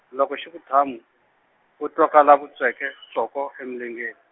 loko xi ku thamu, ko twakala vutsweke tswoke e milengeni.